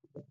kupeh.